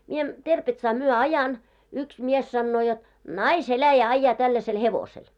minä Terpetsaa myöten ajan yksi mies sanoo jotta naiseläjä ajaa tällaisella hevosella